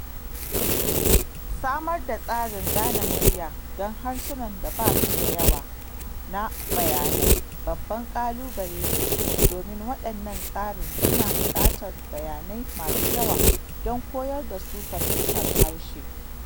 Samar da tsarin gane murya don harsunan da ba su da yawa na bayanai babban ƙalubale ne, domin waɗannan tsarin suna buƙatar bayanai masu yawa don koyar da su fahimtar harshe.